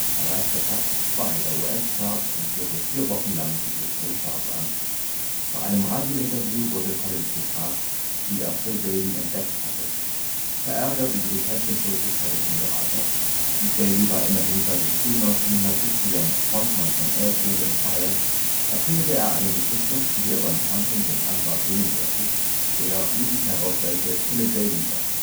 erreichte Platz 2 der US-Charts und führte vier Wochen lang die UK-Charts an. Bei einem Radiointerview wurde Collins gefragt, wie er Phil Bailey „ entdeckt “hatte. Verärgert über die Kenntnislosigkeit des Moderators (Bailey war immerhin seit den frühen 1970ern Frontmann von Earth, Wind and Fire) erzählte er eine Geschichte, wie er beim Tanken den Tankwart singen hörte, der, wie sich herausstellte, Philip Bailey war